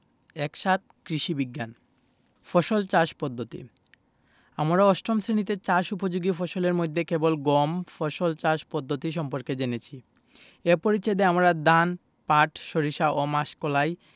১৭ কৃষি বিজ্ঞান ফসল চাষ পদ্ধতি আমরা অষ্টম শ্রেণিতে চাষ উপযোগী ফসলের মধ্যে কেবল গম ফসল চাষ পদ্ধতি সম্পর্কে জেনেছি এ পরিচ্ছেদে আমরা ধান পাট সরিষা ও মাসকলাই